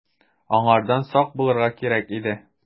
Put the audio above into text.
Аңардан сак булырга кирәк иде.